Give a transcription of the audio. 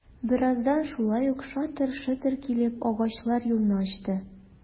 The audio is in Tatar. Бераздан шулай ук шатыр-шотыр килеп, агачлар юлны ачты...